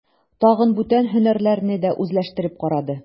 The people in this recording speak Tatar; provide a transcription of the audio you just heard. Тагын бүтән һөнәрләрне дә үзләштереп карады.